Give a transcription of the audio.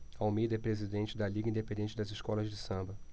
almeida é presidente da liga independente das escolas de samba